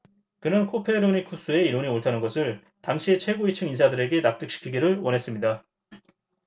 그는 코페르니쿠스의 이론이 옳다는 것을 당시의 최고위층 인사들에게 납득시키기를 원했습니다